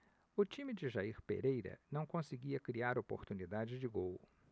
o time de jair pereira não conseguia criar oportunidades de gol